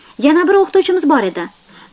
yana bir o'qituvchimiz bor edi